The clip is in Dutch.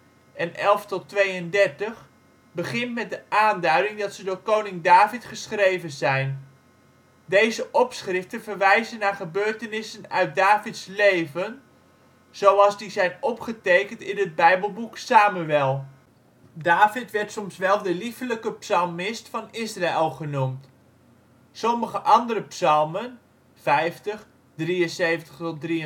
3 – 9, 11 – 32) begint met de aanduiding dat ze door koning David geschreven zijn. Deze opschriften verwijzen naar gebeurtenissen uit Davids leven zoals die zijn opgetekend in het Bijbelboek Samuel. David werd soms wel ' de liefelijke psalmist van Israël ' genoemd. Sommige andere psalmen (50, 73 –